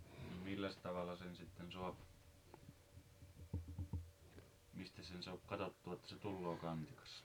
no milläs tavalla sen sitten saa mistäs sen saa katsottua että se tulee kantikas